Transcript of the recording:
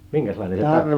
minkäslainen se -